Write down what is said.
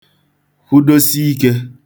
kwudosi ike